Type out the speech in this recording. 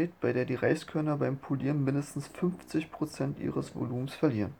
bei der die Reiskörner beim Polieren mindestens 50 % ihres Volumens verlieren